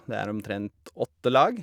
Det er omtrent åtte lag.